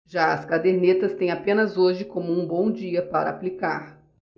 já as cadernetas têm apenas hoje como um bom dia para aplicar